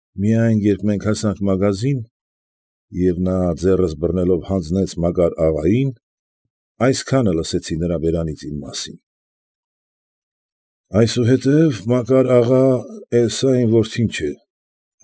Միայն, երբ մենք հասանք մագազին, և նա ձեռս բռնելով հանձնեց Մակար ադային, այսքանը լսեցի նրա բերանից իմ մասին. ֊ Այսահետև, Մակար աղա, էլ սա իմ որդին չէ,